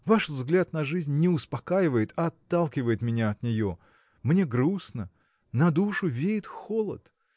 – ваш взгляд на жизнь не успокаивает а отталкивает меня от нее. Мне грустно, на душу веет холод.